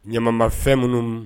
Ɲamabafɛn minnu